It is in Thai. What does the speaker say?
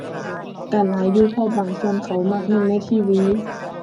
ก็หลายอยู่ เพราะบางส่วนเขามักเบิ่งใน TV